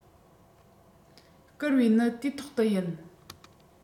བསྐུར བའི ནི དུས ཐོག ཏུ ཡིན